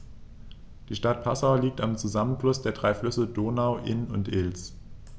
Die Stadt Passau liegt am Zusammenfluss der drei Flüsse Donau, Inn und Ilz.